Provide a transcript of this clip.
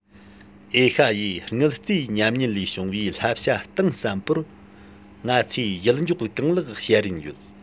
ཨེ ཤ ཡའི དངུལ རྩའི ཉམས ཉེན ལས བྱུང བའི བསླབ བྱ གཏིང ཟབ པོར ང ཚོས ཡིད འཇོག གང ལེགས བྱེད རིན ཡོད